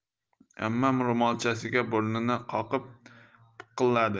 ammam ro'molchasiga burnini qoqib piqilladi